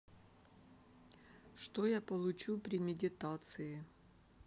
что я получу при медитации